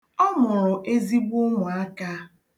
Ọ mụrụ ezigbo ụmụaka.